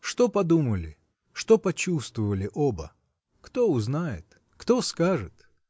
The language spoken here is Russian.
Что подумали, что почувствовали оба? Кто узнает? Кто скажет?